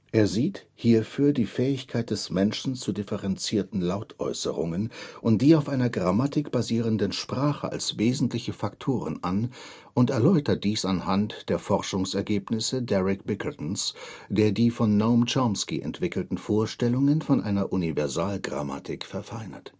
Er sieht hierfür die Fähigkeit des Menschen zu differenzierten Lautäußerungen und die auf einer Grammatik basierende Sprache als wesentliche Faktoren an und erläutert dies anhand der Forschungsergebnisse Derek Bickertons, der die von Noam Chomsky entwickelten Vorstellungen von einer Universalgrammatik verfeinert